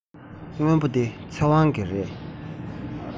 སྔོན པོ འདི ཚེ དབང གི རེད